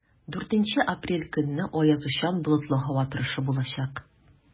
4 апрель көнне аязучан болытлы һава торышы булачак.